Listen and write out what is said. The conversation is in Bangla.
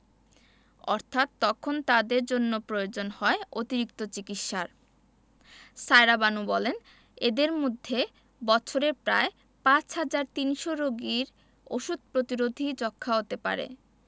অর্থাৎ তখন তাদের জন্য প্রয়োজন হয় অতিরিক্ত চিকিৎসার সায়েরা বানু বলেন এদের মধ্যে বছরে প্রায় ৫ হাজার ৩০০ রোগীর ওষুধ প্রতিরোধী যক্ষ্মা হতে পারে